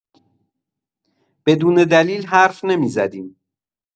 بدون دلیل حرف نمی‌زدیم.